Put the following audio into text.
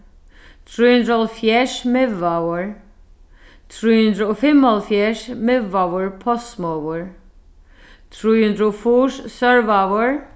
trý hundrað og hálvfjerðs miðvágur trý hundrað og fimmoghálvfjerðs miðvágur postsmogur trý hundrað og fýrs sørvágur